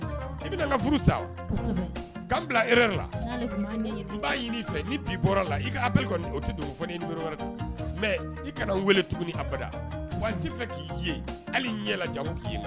' la i tɛ fɔ wɛrɛ i kana weele tuguni abada waati fɛ k'i ye hali ɲɛ jamu k'i